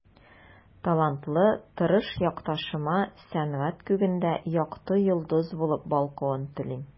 Талантлы, тырыш якташыма сәнгать күгендә якты йолдыз булып балкуын телим.